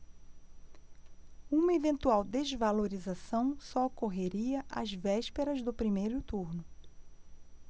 uma eventual desvalorização só ocorreria às vésperas do primeiro turno